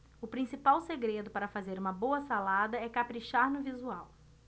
o principal segredo para fazer uma boa salada é caprichar no visual